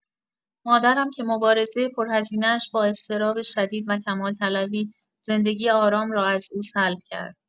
مادرم که مبارزه پرهزینه‌اش با اضطراب شدید و کمال‌طلبی زندگی آرام را از او سلب کرد.